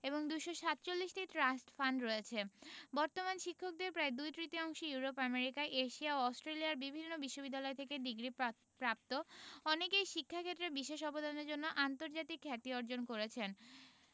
এবং২৪৭টি trust fund রয়েছে বর্তমান শিক্ষকদের প্রায় দুই তৃতীয়াংশ ইউরোপ আমেরিকা এশিয়া এবং অস্ট্রেলিয়ার বিভিন্ন বিশ্ববিদ্যালয় থেকে ডিগ্রিপ্রা প্রাপ্ত অনেকেই শিক্ষাক্ষেত্রে বিশেষ অবদানের জন্য আন্তর্জাতিক খ্যাতি অর্জন করেছেন